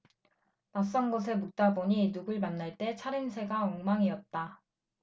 낯선 곳에 묵다 보니 누굴 만날 때 차림새가 엉망이었다